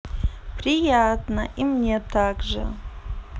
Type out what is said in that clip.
приятно и мне также